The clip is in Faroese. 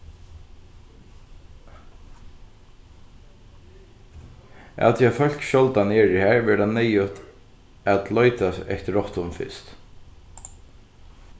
av tí at fólk sjáldan eru har verður tað neyðugt at leita eftir rottunum fyrst